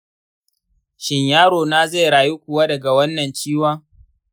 shin yaro na zai rayu kuwa daga wannan ciwon?